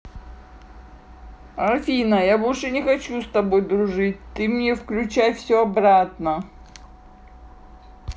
афина я больше не хочу с тобой дружить ты мне включай все обратно